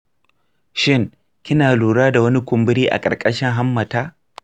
shin kina lura da wani kumburi a ƙarƙashin hammata?